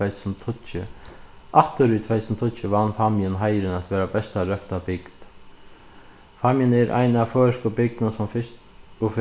tvey túsund og tíggju aftur í tvey túsund og tíggju vann fámjin heiðurin at vera besta røkta bygd fámjin er ein av føroysku bygdunum sum